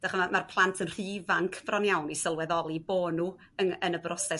Dach'mod ma'r plant yn rhy ifanc bron iawn i sylweddoli bo' n'w yn y broses